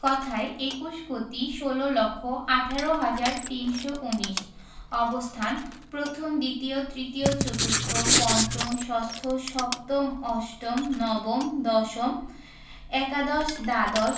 কথায়ঃ একুশ কোটি ষোল লক্ষ আঠারো হাজার তিনশো উনিশ অবস্থানঃ প্রথম দ্বিতীয় তৃতীয় চতুর্থ পঞ্চম ষষ্ঠ সপ্তম অষ্টম নবম দশম একাদশ দ্বাদশ